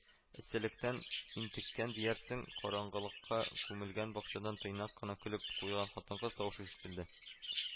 —эсселектән интеккән диярсең,—караңгылыкка күмелгән бакчадан тыйнак кына көлеп куйган хатын-кыз тавышы ишетелде